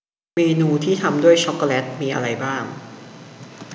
เมนูที่ทำด้วยช็อกโกแลตมีอะไรบ้าง